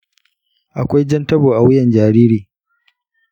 akwai jan tabo a wuyan jariri.